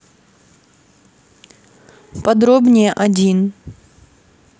подробнее один